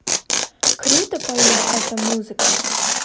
круто поют это музыка